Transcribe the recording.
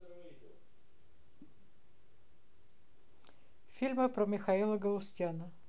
фильмы про михаила галустяна